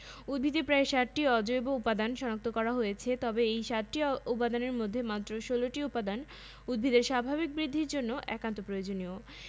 এ উপাদানগুলোর অভাবে উদ্ভিদ সুষ্ঠুভাবে বাঁচতে পারে না এ উপাদানগুলোকে উদ্ভিদের খনিজ উপা পুষ্টি উপাদান বলে এসকল পুষ্টি উপাদানের অধিকাংশই উদ্ভিদ মাটি থেকে সংগ্রহ করে বলে এদেরকে খনিজ পুষ্টি বলা হয়